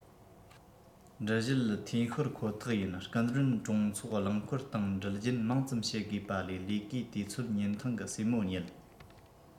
འགྲུལ བཞུད འཐུས ཤོར ཁོ ཐག ཡིན སྐུ མགྲོན གྲོང ཚོ རླངས འཁོར སྟེང འགྲུལ རྒྱུན མང ཙམ བྱེད དགོས པ ལས ལས ཀའི དུས ཚོད ཉིན ཐང གི སྲས མོ རྙེད